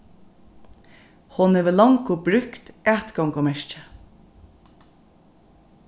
hon hevur longu brúkt atgongumerkið